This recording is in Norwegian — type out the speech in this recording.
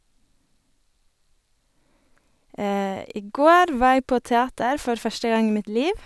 I går var jeg på teater for første gang i mitt liv.